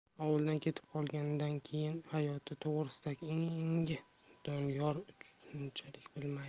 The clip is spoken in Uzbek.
ovuldan ketib qolganidan keyingi hayoti to'g'risida esa doniyor unchalik bilmaydi